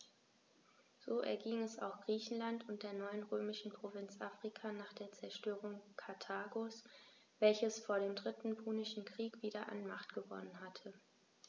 So erging es auch Griechenland und der neuen römischen Provinz Afrika nach der Zerstörung Karthagos, welches vor dem Dritten Punischen Krieg wieder an Macht gewonnen hatte.